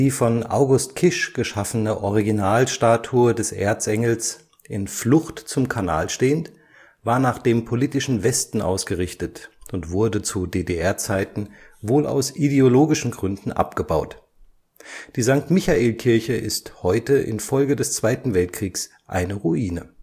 von August Kiß geschaffene Originalstatue des Erzengels, in Flucht zum Kanal stehend, war nach dem politischen „ Westen “ausgerichtet und wurde zu DDR-Zeiten wohl aus ideologischen Gründen abgebaut. Die Sankt-Michael-Kirche ist heute infolge des Zweiten Weltkriegs eine Ruine